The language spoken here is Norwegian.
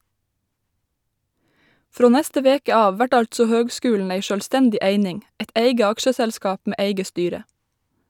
Frå neste veke av vert altså høgskulen ei sjølvstendig eining , eit eige aksjeselskap med eige styre.